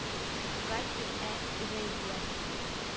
Гати ә - өрәййә